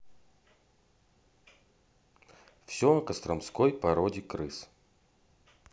все о костромской породе крыс